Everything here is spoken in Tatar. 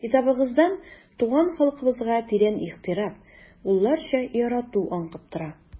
Китабыгыздан туган халкыбызга тирән ихтирам, улларча ярату аңкып тора.